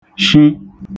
-shi